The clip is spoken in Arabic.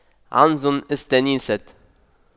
عنز استتيست